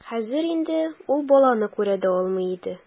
Хәзер инде ул баланы күрә дә алмый иде.